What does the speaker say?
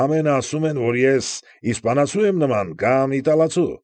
Ամենը ասում են, որ իսպանացու եմ նման կամ իտալացու։